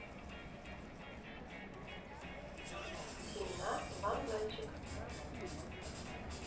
семена ван зайчик